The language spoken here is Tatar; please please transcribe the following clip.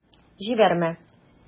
Җибәрмә...